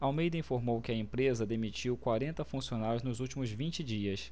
almeida informou que a empresa demitiu quarenta funcionários nos últimos vinte dias